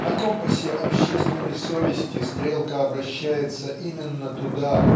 На компасе общественной совести стрелка обращается именно туда